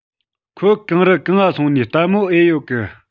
ཁོད གང རི གང ང སོང ནིས ལྟད མོ ཨེ ཡོད གི